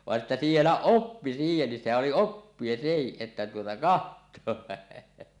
vain että siellä oppi siihenkin sehän oli oppia sekin että tuota katsoa